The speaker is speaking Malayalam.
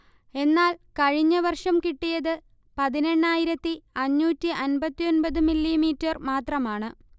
എന്നാൽ കഴിഞ്ഞ വര്ഷം കിട്ടിയത് പതിനെണ്ണായിരത്തി അഞ്ഞൂട്ടി അൻപത്തൊന്പത് മില്ലീമീറ്റർ മാത്രമാണ്